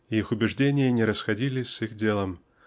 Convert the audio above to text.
и их убеждения не расходились с их делом